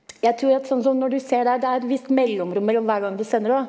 jeg tror at sånn som når du ser der det er et visst mellomrom mellom hver gang du sender det òg.